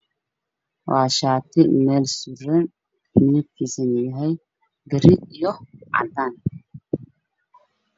Waa shati mel suran midabkis oow yahay garey io cadan